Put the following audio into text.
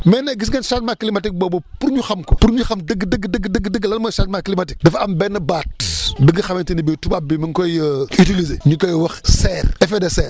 mais nag gis ngeen changement climatique boobu pour ñu xam ko pour ñu xam dëgg dëgg dëgg dëgg lan mooy changement climatique dafa am benn baat bi nga xamante ni bii tubaab bi mi ngi koy utiliser ñu koy wax serre effet de serre